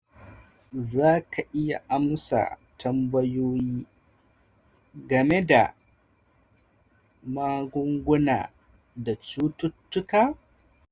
Zaka iya amsa tambayoyi game da magunguna da cututtuka?